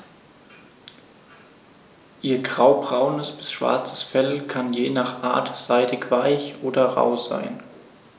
Ihr graubraunes bis schwarzes Fell kann je nach Art seidig-weich oder rau sein.